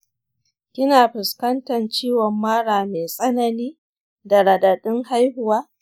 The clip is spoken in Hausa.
kina fuskantan ciwon mara mai tsanani da raɗaɗin haihuwa?